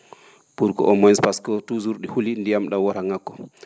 pour que au moins pasque toujours ?i huli ndiyam ?am wora ?akku